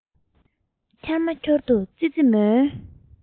ཁྱར མ ཁྱོར དུ ཙི ཙི མོའི